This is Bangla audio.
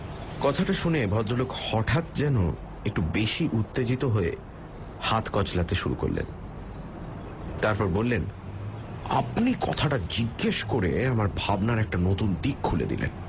কথাটা শুনে ভদ্রলোক হঠাৎ যেন একটু বেশি উত্তেজিত হয়ে হাত কচলাতে শুরু করলেন তারপর বললেন আপনি কথাটা জিজ্ঞেস করে আমার ভাবনার একটা নতুন দিক খুলে দিলেন